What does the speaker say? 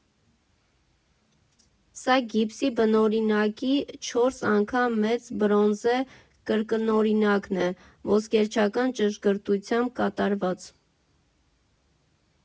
Սա գիպսի բնօրինակի չորս անգամ մեծ բրոնզե կրկնօրինակն է՝ ոսկերչական ճշգրտությամբ կատարված։